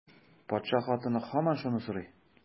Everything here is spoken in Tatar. Патша хатыны һаман шуны сорый.